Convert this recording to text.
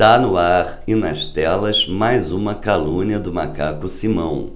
tá no ar e nas telas mais uma calúnia do macaco simão